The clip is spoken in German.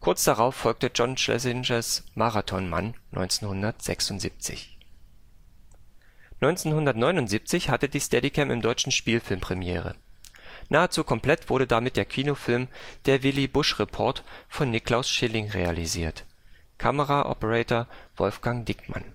Kurz darauf folgte John Schlesingers Marathon-Mann (1976). 1979 hatte die Steadicam im deutschen Spielfilm Premiere. Nahezu komplett wurde damit der Kinofilm Der Willi-Busch-Report von Niklaus Schilling realisiert. (Kamera/Operator Wolfgang Dickmann